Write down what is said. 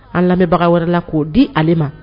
An lamɛnbaga wɛrɛ la k'o di ale ma.